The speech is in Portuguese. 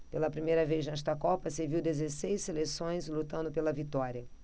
pela primeira vez nesta copa se viu dezesseis seleções lutando pela vitória